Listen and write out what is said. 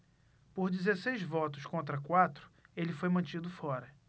por dezesseis votos contra quatro ele foi mantido fora